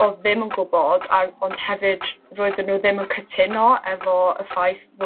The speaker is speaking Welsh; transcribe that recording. odd ddim yn gwbod a ond hefyd roedden nhw ddim yn cytuno efo y ffaith fy